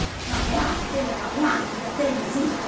ngọc hoàng thì tên là ngọc hoàng chứ còn tên là gì